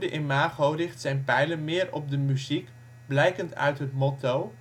imago richt zijn pijlen meer op de muziek, blijkend uit het motto